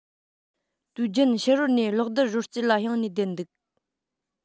དུས རྒྱུན ཕྱི རོལ ནས གློག རྡུལ རོལ རྩེད ལ གཡེང ནས བསྡད འདུག